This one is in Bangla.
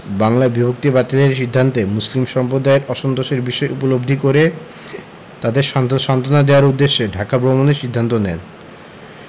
বাংলা বিভক্তি বাতিলের সিদ্ধান্তে মুসলিম সম্প্রদায়ের অসন্তোষের বিষয় উপলব্ধি করে তাদের সান্ত্বনা দেওয়ার উদ্দেশ্যে ঢাকা ভ্রমণের সিদ্ধান্ত নেন